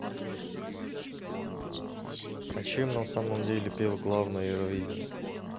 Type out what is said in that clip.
а чем на самом деле пел главное евровидение